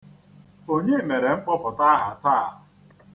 Onye mere mkpọpụta aha taa.